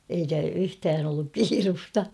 eikä yhtään ollut kiirettä